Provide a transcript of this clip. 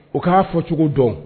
U k'a fɔ cogo dɔn